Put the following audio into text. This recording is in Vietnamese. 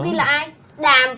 khi là ai đàm